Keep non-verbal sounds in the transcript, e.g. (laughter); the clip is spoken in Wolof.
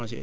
(hesitation) (hesitation)